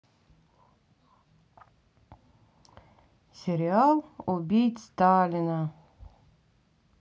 сериал убить сталина